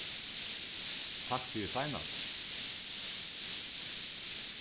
takk fyri seinast